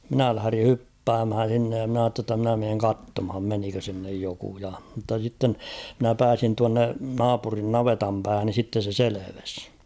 minä lähdin hyppäämään sinne ja minä ajattelin jotta minä menen katsomaan menikö sinne joku ja mutta sitten minä pääsin tuonne naapurin navetan päähän niin sitten se selvisi